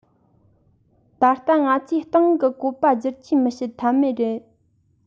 ད ལྟ ང ཚོའི སྟེང གི བཀོད པ བསྒྱུར བཅོས མི བྱེད ཐབས མེད རེད